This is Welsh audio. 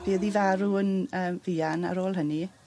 Bu iddi farw yn yym fuan ar ôl hynny.